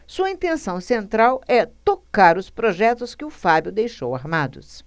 sua intenção central é tocar os projetos que o fábio deixou armados